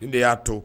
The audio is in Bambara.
Nin de ya to